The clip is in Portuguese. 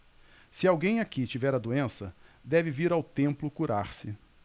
se alguém aqui tiver a doença deve vir ao templo curar-se